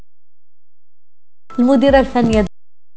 المدير الفني